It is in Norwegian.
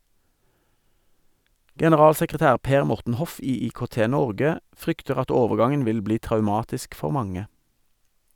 Generalsekretær Per Morten Hoff i IKT-Norge frykter at overgangen vil bli traumatisk for mange.